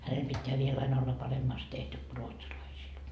hänellä pitää vielä aina olla paremmasti tehty kuin ruotsalaisilla